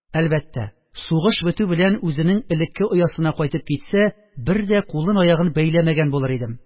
Әлбәттә, сугыш бетү белән үзенең элекке «оясы»на кайтып китсә, бер дә кулын-аягын бәйләмәгән булыр идем